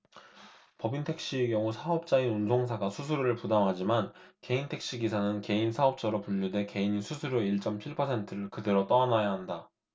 법인택시의 경우 사업자인 운송사가 수수료를 부담하지만 개인택시 기사는 개인사업자로 분류돼 개인이 수수료 일 쩜 칠 퍼센트를 그대로 떠안아야 한다